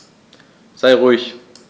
Sei ruhig.